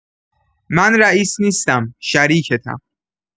من رئیس نیستم، شریکتم.